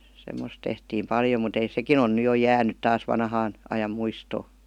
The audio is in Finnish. semmoista tehtiin paljon mutta ei sekin on nyt jo jäänyt taas vanhan ajan muistoon